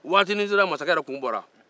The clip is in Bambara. waati nin sera mansakɛ yɛrɛ kun bɔra